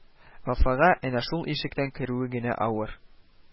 Вафага әнә шул ишектән керүе генә авыр